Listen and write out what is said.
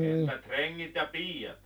entä rengit ja piiat